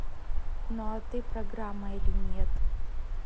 ну а ты программа или нет